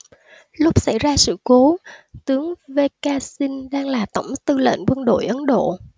lúc xảy ra sự cố tướng v k singh đang là tổng tư lệnh quân đội ấn độ